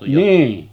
niin